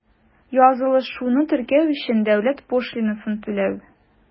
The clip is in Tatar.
Язылышуны теркәү өчен дәүләт пошлинасын түләү.